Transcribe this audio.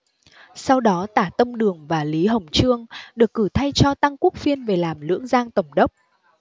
sau đó tả tông đường và lý hồng chương được cử thay cho tăng quốc phiên về làm lưỡng giang tổng đốc